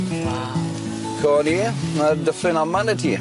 Wow. 'Co ni, ma' Dyffryn Aman i ti.